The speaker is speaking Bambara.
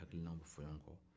hakilinaw bɛ fɔn ɲɔgon kɔ